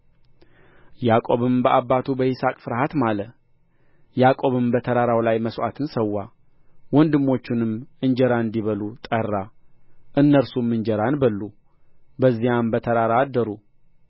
ያዕቆብም በአባቱ በይስሐቅ ፍርሃት ማለ ያዕቆብም በተራራው ላይ መሥዋዕትን ሠዋ ወንድሞቹንም እንጀራ እንዲበሉ ጠራ እነርሱም እንጀራን በሉ በዚያም በተራራ አደሩ